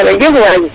jerejef waay